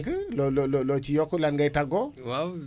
waaw xanaa di leen sant rek di leen gërëm